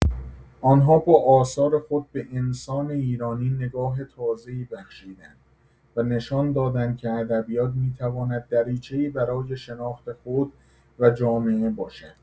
آنها با آثار خود به انسان ایرانی نگاه تازه‌ای بخشیدند و نشان دادند که ادبیات می‌تواند دریچه‌ای برای شناخت خود و جامعه باشد.